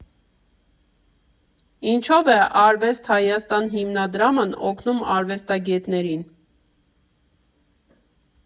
Ինչով է Արվեստ Հայաստան հիմնադրամն օգնում արվեստագետներին։